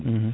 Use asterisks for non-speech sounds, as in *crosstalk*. *hesitation* *hesitation*